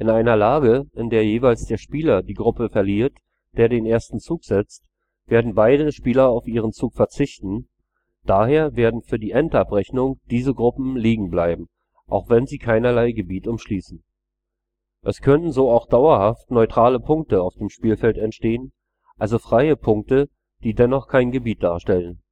einer Lage, in der jeweils der Spieler die Gruppe verliert, der den ersten Zug setzt, werden beide Spieler auf ihren Zug verzichten; daher werden für die Endabrechnung diese Gruppen liegenbleiben, auch wenn sie keinerlei Gebiet umschließen. Es können so auch dauerhaft neutrale Punkte auf dem Spielbrett entstehen, also freie Punkte, die dennoch kein Gebiet darstellen